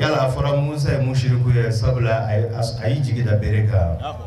yala fɔra musosa misisuriku ye sababu a y' jigi dabere kan